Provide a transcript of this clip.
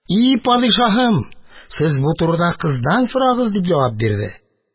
И падишаһым, сез бу турыда кыздан сорагыз! – дип җавап бирде.